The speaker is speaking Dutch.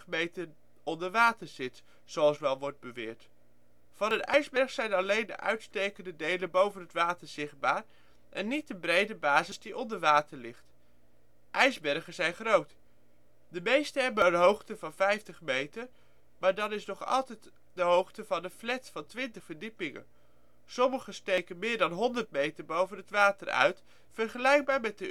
meter onder water zit, zoals wel wordt beweerd. Van een ijsberg zijn alleen de uitstekende delen boven het water zichtbaar en niet de brede basis die onder water ligt. IJsbergen zijn groot; de meeste hebben een hoogte van 50 meter, maar dat is nog altijd de hoogte van een flat van 20 verdiepingen. Sommige steken meer dan 100 meter boven het water uit, vergelijkbaar met